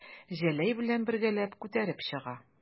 Җәләй белән бергәләп күтәреп чыга.